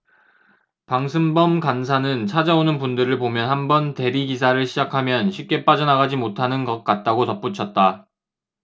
방승범 간사는 찾아오는 분들을 보면 한 번 대리기사를 시작하면 쉽게 빠져나가지 못하는 것 같다고 덧붙였다